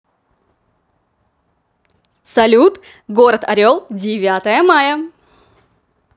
салют город орел девятое мая